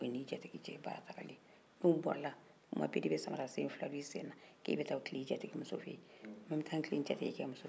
n'o bɔra la tuma bɛɛ e de bɛ samara den fila don i senna k'e bɛ taa tilen i jatigi muso fɛ yen ko n bɛ taa tilen n jatigi kɛ muso fɛ yen i y'i yɛrɛ bafuwe